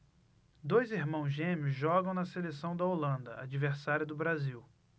dois irmãos gêmeos jogam na seleção da holanda adversária do brasil